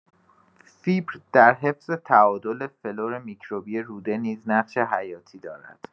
فیبر در حفظ تعادل فلور میکروبی روده نیز نقش حیاتی دارد.